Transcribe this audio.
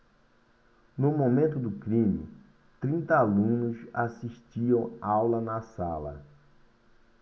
no momento do crime trinta alunos assistiam aula na sala